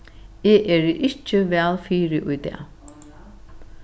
eg eri ikki væl fyri í dag